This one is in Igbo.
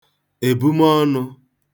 èbumọnụ̄